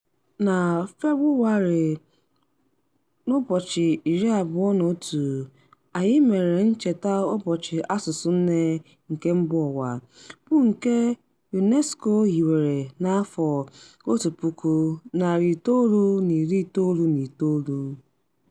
Na Febụwarị 21, anyị mere ncheta Ụbọchị Asụsụ Nne nke Mbaụwa, bụ nke UNESCO hiwere na 1999.